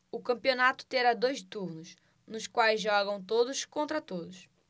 o campeonato terá dois turnos nos quais jogam todos contra todos